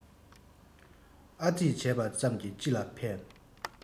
ཨ ཙི བྱས པ ཙམ གྱིས ཅི ལ ཕན